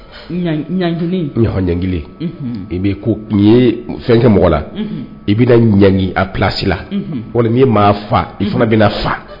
Ɔn i b' ko fɛn kɛ mɔgɔ la i bɛ ɲ alasi la walima n'i maa fa i fana bɛna faa